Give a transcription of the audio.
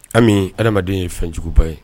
Ami, adamaden ye fɛnjuguba ye